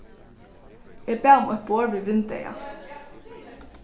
eg bað um eitt borð við vindeygað